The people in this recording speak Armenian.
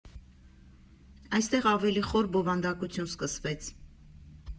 Այստեղ ավելի խոր բովանդակություն սկսվեց։